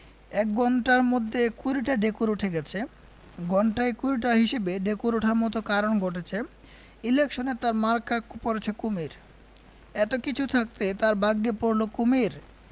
এক ঘণ্টার মধ্যে কুড়িটা ঢেকুর ওঠে গেছে ঘণ্টায় কুড়িটা হিসেবে ঢেকুর ওঠার মত কারণ ঘটেছে ইলেকশনে তাঁর মার্কা পড়েছে কুমীর এত কিছু থাকতে তাঁর ভাগ্যে পড়ল কুমীর